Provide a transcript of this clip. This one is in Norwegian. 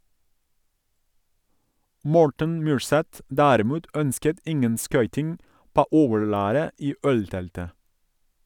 Morten Myrseth derimot, ønsket ingen skøyting på overlæret i ølteltet.